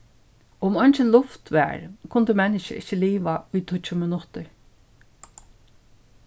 um eingin luft var kundi menniskjað ikki livað í tíggju minuttir